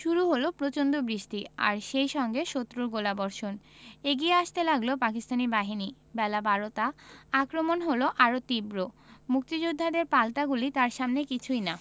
শুরু হলো প্রচণ্ড বৃষ্টি আর সেই সঙ্গে শত্রুর গোলাবর্ষণ এগিয়ে আসতে লাগল পাকিস্তানি বাহিনী বেলা বারোটা আক্রমণ হলো আরও তীব্র মুক্তিযোদ্ধাদের পাল্টা গুলি তার সামনে কিছুই না